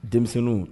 Denmisɛnww